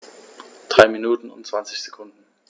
3 Minuten und 20 Sekunden